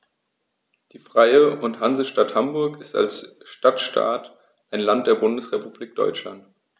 Die Freie und Hansestadt Hamburg ist als Stadtstaat ein Land der Bundesrepublik Deutschland.